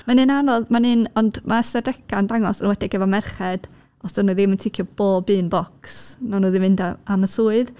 Mae'n un anodd, mae'n un... Ond ma' ystadegau yn dangos, yn enwedig efo merched, os dydyn nhw ddim yn ticio bob un bocs, wnawn nhw ddim mynd a- am y swydd.